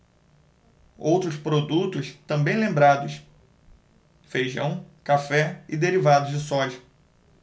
outros produtos também lembrados feijão café e derivados de soja